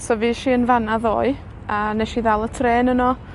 So fuesh i yn fan 'na ddoe, a nesh i ddal y trên yno.